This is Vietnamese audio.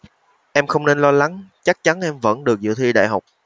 em không nên lo lắng chắc chắn em vấn được dự thi đại học